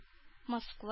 Москва